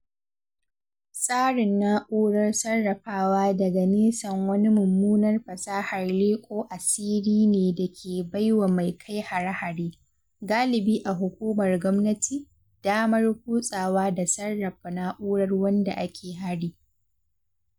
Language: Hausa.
Tsarin Na’urar Sarrafawa daga Nesan wani mummunar fasahar leƙo asiri ne da ke bai wa mai kai hare-hare, galibi a hukumar gwamnati, damar kutsawa da sarrafa na’urar wanda ake hari.